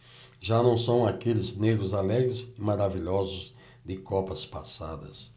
já não são aqueles negros alegres e maravilhosos de copas passadas